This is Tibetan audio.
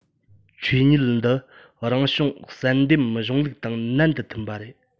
ཆོས ཉིད འདི རང བྱུང བསལ འདེམས གཞུང ལུགས དང ནན དུ མཐུན པ རེད